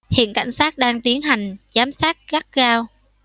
hiện cảnh sát đang tiến hành giám sát gắt gao